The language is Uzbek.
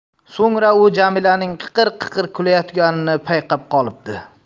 so'ngra u jamilaning qiqir qiqir kulayotganini payqab qolibdi